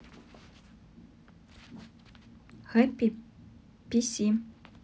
хэппи пи си